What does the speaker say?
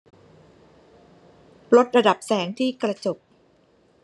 ลดระดับแสงที่กระจก